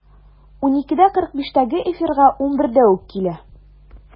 12.45-тәге эфирга 11-дә үк килә.